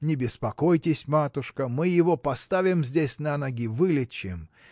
Не беспокойтесь, матушка, мы его поставим здесь на ноги, вылечим.